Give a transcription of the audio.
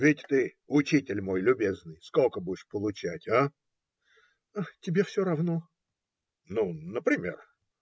Ведь ты, учитель мой любезный, сколько будешь получать, а? - Тебе все равно. - Ну, например?